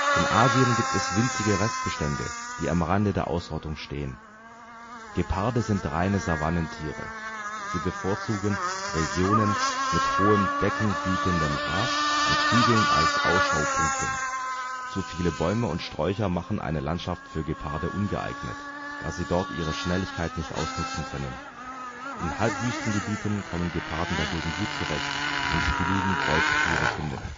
In Asien gibt es winzige Restbestände, die am Rande der Ausrottung stehen (siehe Unterarten). Geparde sind reine Savannentiere. Sie bevorzugen Regionen mit hohem, Deckung bietendem Gras und Hügeln als Ausschaupunkten. Zu viele Bäume und Sträucher machen eine Landschaft für Geparde ungeeignet, da sie dort ihre Schnelligkeit nicht ausnutzen können. In Halbwüstengebieten kommen Geparden dagegen gut zurecht, wenn sie genügend Beutetiere finden